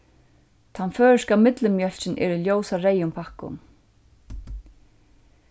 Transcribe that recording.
tann føroyska millummjólkin er í ljósareyðum pakkum